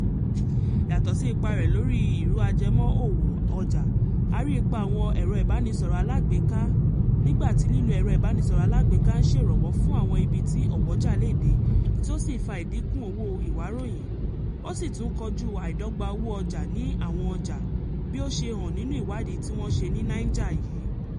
Yàtọ̀ sí ipa ẹ lórí àwọn ìró ajẹmọ́ òwò/ọjà, a rí ipa àwọn ẹ̀rọ ìbánisọ̀rọ̀ alágbéká nígbà tí lílo ẹ̀rọ ìbánisọ̀rọ̀ alágbéká ń ṣerànwọ́ fún àwọn ibi tí ọwọ́já lè dé tí ó sì ń fà ìdínkù owó ìwáróyìn, ó sì tún kojú àìdọ́gbá owó ọjà ní àwọn ọjà, bí ó ṣe hàn nínú ìwádìí tí wọn ṣe ní Niger yìí.